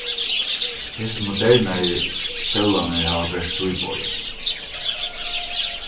hesir modernaðu stólarnir hava bert trý bein